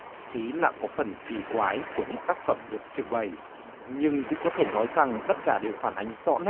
chí là có phần kỳ quái của những tác phẩm được trưng bày nhưng cũng có thể nói rằng tất cả đều phản ánh rõ nét